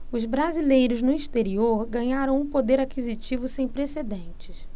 os brasileiros no exterior ganharam um poder aquisitivo sem precedentes